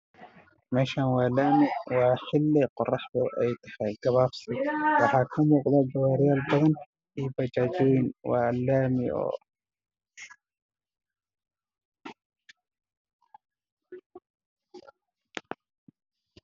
Waa meel waddo laami ah waxaa marayo gaarayaal cadaan ah iyo bajaajyo leer ayaa ifaayo guduud ah